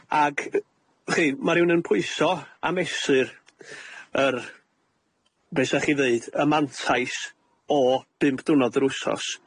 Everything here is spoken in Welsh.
Ag y- w'chi ma' rywun yn pwyso a mesur yr, be' sa chi ddeud, y mantais o bump dwrnod yr wsos.